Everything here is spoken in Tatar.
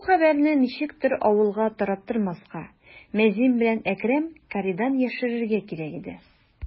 Бу хәбәрне ничектер авылга тараттырмаска, мәзин белән Әкрәм каридан яшерергә кирәк иде.